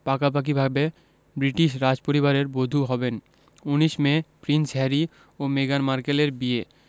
পাকাপাকিভাবে ব্রিটিশ রাজপরিবারের বধূ হবেন ১৯ মে প্রিন্স হ্যারি ও মেগান মার্কেলের বিয়ে